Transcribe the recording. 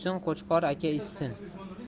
qo'chqor aka ichsin